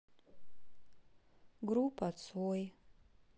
группа цой